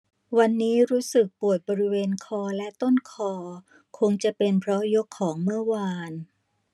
วันนี้รู้สึกปวดบริเวณคอและต้นคอคงจะเป็นเพราะยกของเมื่อวาน